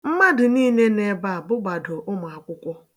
Mmadụ niile nọ ebe a bụgbado ụmụakwụkwọ